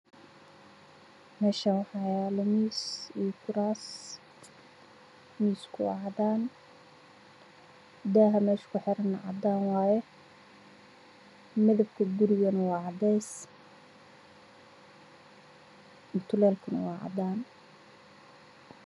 Meshaan waxaaa yalo miis iyo kuraas miiska waa cadaan daha meesha ku xirana waa cadan midapaka gurigana wa cadees mutuleelkan wa cadaan